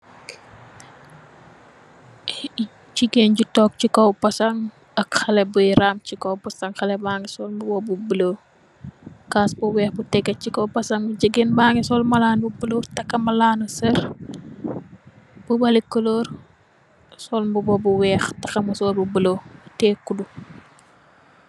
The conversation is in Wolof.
Jigéen ju toog ci kaw basang ak haley bi ram ci kaw basang, haley ba ngi sol mbuba bu bulo. Caas bu weeh bu tégé ci kaw basang. Jigéen ba ngi sol malaan bull bulo takk malaani ni sarr bu bari kuloor, sol mbuba bu weeh takka musóor bu bulo té kudu